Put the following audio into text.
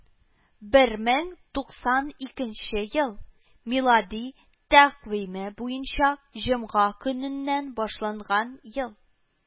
Бер мең туксан икенче ел милади тәкъвиме буенча җомга көненнән башланган ел